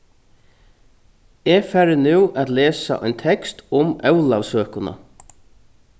eg fari nú at lesa ein tekst um ólavsøkuna